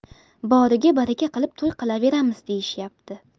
boriga baraka qilib to'y qilaveramiz deyishyapti